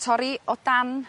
Torri o dan